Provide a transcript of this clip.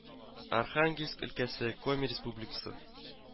Архангельск өлкәсе, Коми Республикасы